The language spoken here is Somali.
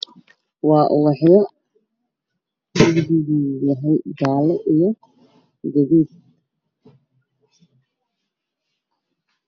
Waa ubaxyo midabkooda yahay jaalo iyo gaduud